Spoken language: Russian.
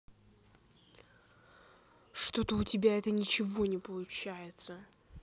что то у тебя это ничего не получается